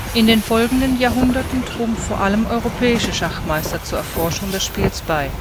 In den folgenden Jahrhunderten trugen vor allem europäische Schachmeister zur Erforschung des Spiels bei